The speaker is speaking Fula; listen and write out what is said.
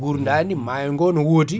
gurdani mayo go ne wodi